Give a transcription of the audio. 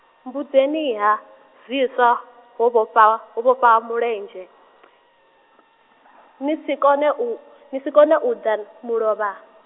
mmbudzeniha zwiswa, ho vhofha, ho vhofha mulenzhe , nisi kone u, ni si kone u da, mulovha?